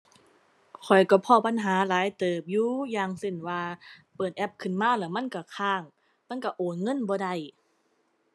ข้อยก็พ้อปัญหาหลายเติบอยู่ อย่างเช่นว่า เปิดแอปขึ้นมาแล้วมันก็ค้าง มันก็โอนเงินบ่ได้